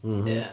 M-hm. Ia.